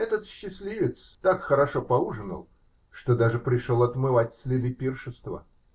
Этот счастливец так хорошо по ужинал, что даже пришел отмывать следы пиршества.